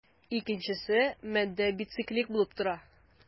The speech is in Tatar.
Икенчесе матдә бициклик булып тора.